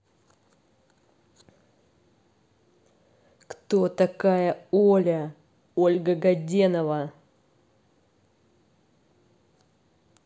кто такая оля ольга гаденова